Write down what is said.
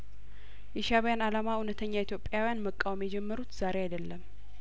የሻእቢያን አላማ እውነተኛ ኢትዮጵያውያን መቃወም የጀመሩት ዛሬ አይደለም